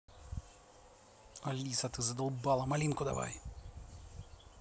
алиса ты задолбала малинку давай